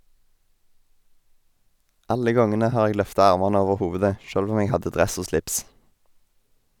Alle gongene har eg løfta armane over hovudet, sjølv om eg hadde dress og slips.